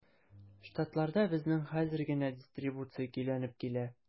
Штатларда безнең хәзер генә дистрибуция көйләнеп килә.